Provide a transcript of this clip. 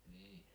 niin